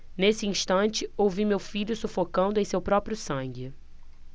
nesse instante ouvi meu filho sufocando em seu próprio sangue